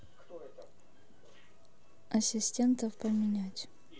ассистентов поменять